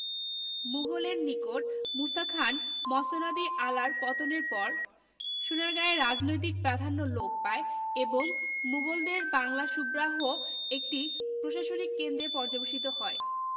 মুগলের নিকট মুসা খান মসনদ ই আলার পতনের পর সোনারগাঁয়ের রাজনৈতিক প্রাধান্য লোপ পায় এবং মুগলদের বাংলা সুবাহ্র একটি প্রশাসনিক কেন্দ্রে পর্যবসিত হয়